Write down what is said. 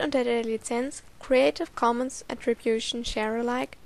der Lizenz Creative Commons Attribution Share Alike